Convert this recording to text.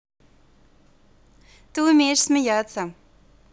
ты умеешь смеяться